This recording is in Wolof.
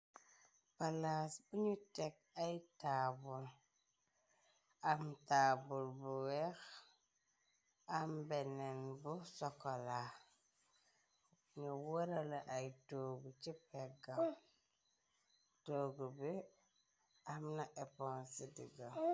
Palaas biñu teg ay taabul am taabul bu weex am benen bu sokola ñu wërala ay toogu ci pegga toggu bi amna eppol ci digga.